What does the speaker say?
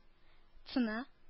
Цена